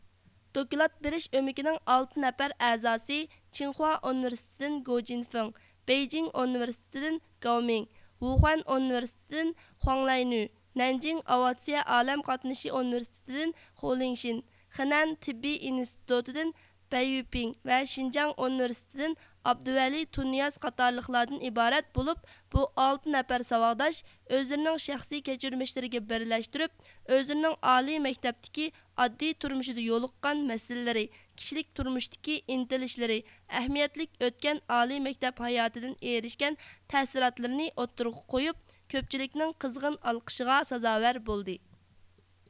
دوكلات بېرىش ئۆمىكىنىڭ ئالتە نەپەر ئەزاسى چىڭخۇا ئۇنىۋېرسىتېتىدىن گۇجېنفېڭ بېيجىڭ ئۇنىۋېرسىتېتىدىن گاۋمىڭ ۋۇخەن ئۇنىۋېرسىتېتىدىن خۇاڭلەينۈ نەنجىڭ ئاۋىئاتسىيە ئالەم قاتنىشى ئۇنىۋېرسىتېتىدىن خۇلېڭشىن خېنەن تېببىي ئىنستىتۇتىدىن بەييۈپىڭ ۋە شىنجاڭ ئۇنىۋېرسىتېتىدىن ئابدۇۋەلى تۇنىياز قاتارلىقلاردىن ئىبارەت بولۇپ بۇ ئالتە نەپەر ساۋاقداش ئۆزلىرىنىڭ شەخسىي كەچۈرمىشلىرىگە بىرلەشتۈرۈپ ئۆزلىرىنىڭ ئالىي مەكتەپتىكى ئاددىي تۇرمۇشىدا يولۇققان مەسىلىلىرى كىشىلىك تۇرمۇشىدىكى ئىنتىلىشلىرى ئەھمىيەتلىك ئۆتكەن ئالىي مەكتەپ ھاياتىدىن ئېرىشكەن تەسىراتلىرىنى ئوتتۇرىغا قويۇپ كۆپچىلىكنىڭ قىزغىن ئالقىشىغا سازاۋەر بولدى